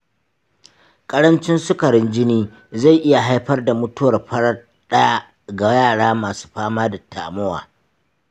ƙarancin sukarin jini zai iya haifar da mutuwar farat ɗaya ga yara masu fama da tamowa.